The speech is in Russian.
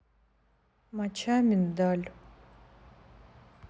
моча миндаль